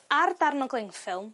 ar darn o glingffilm